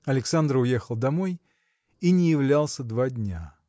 Александр уехал домой и не являлся два дня.